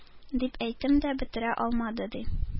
Дип әйтеп тә бетерә алмады, ди,